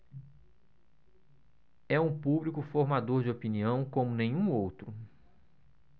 é um público formador de opinião como nenhum outro